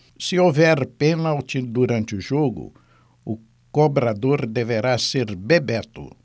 se houver pênalti durante o jogo o cobrador deverá ser bebeto